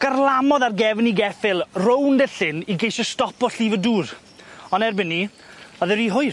Garlamodd ar gefn 'i geffyl rownd y llyn i geisio stopo llif y dŵr on' erbyn 'ny o'dd yn ry hwyr.